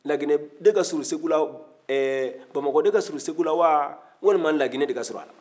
bamakɔ de ka surun segu la wa walima laginɛ de ka surun a la